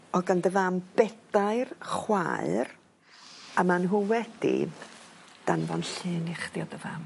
O'dd gan dy fam bedair chwaer a ma' nhw wedi danfon llun i chdi o dy fam.